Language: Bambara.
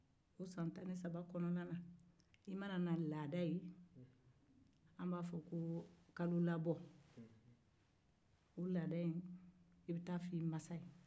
san 13 kɔnɔ i mana laada ye i bɛ taa fɔ i mansa ye